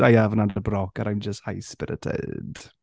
I haven't had a Berroca, I'm just high-spirited.